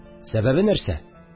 Сәбәбе нәрсә